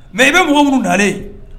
Mɛ i bɛg minnu nalen